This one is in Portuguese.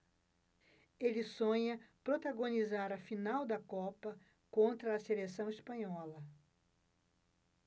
ele sonha protagonizar a final da copa contra a seleção espanhola